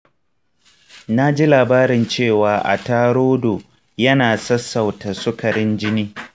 naji labarin cewa ata rodo ya na sassauta sukarin jini.